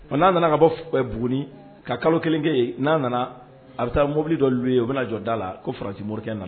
N'a nana ka bɔ Bougouni ka kalo 1 kɛ yen. N'a nana, a bɛ taa mɔbili dɔ loué o bɛ na jɔ da la. Ko France morikɛ nana.